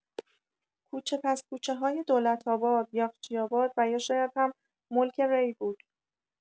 کوچه پس‌کوچه های دولت‌آباد، یاخچی آباد و یا شاید هم ملک ری بود.